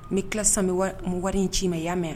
N bɛ ki san wari in'i ma y'a mɛn